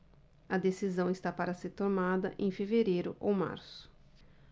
a decisão está para ser tomada em fevereiro ou março